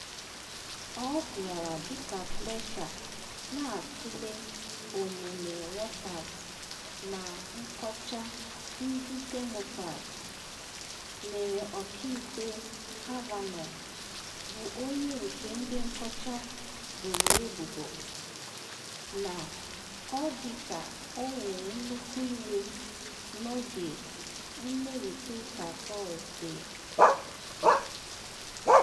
Ọ bịara dịka Fleischer na-atule omume Waters na nkọcha ndị Demokrat mere Ọka Ikpe Kavanaugh, bụ onye nke ndị nkọcha boro ebubo na ọ dịka ọ were nnukwu iwe n’oge nnụrịta ụka Tọsde.